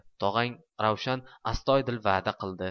tog'ang ravshan astoydil va'da qildi